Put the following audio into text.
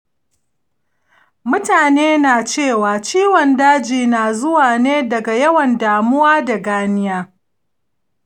mutane na cewa ciwon daji na zuwa ne daga yawan damuwa da ganiya.